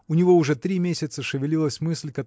У него уже три месяца шевелилась мысль